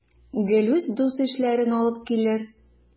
Гелүс дус-ишләрен алып килер.